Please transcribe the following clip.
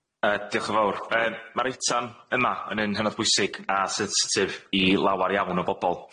Yy, diolch yn fowr. Yym ma'r eitam yma yn un hynod bwysig a sensitif i lawar iawn o bobol.